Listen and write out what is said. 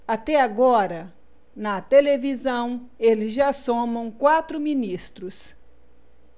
até agora na televisão eles já somam quatro ministros